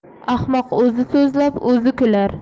ahmoq o'zi so'zlab o'zi kular